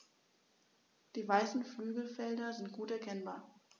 Die weißen Flügelfelder sind gut erkennbar.